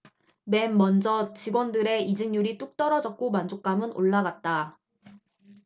맨먼저 직원들의 이직률이 뚝 떨어졌고 만족감은 올라갔다